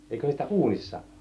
eikö sitä uunissa